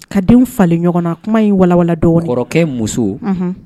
Ka denw falen ɲɔgɔnna kuma in walawala dɔɔni kɔrɔkɛ muso unhun